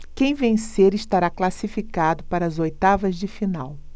quem vencer estará classificado para as oitavas de final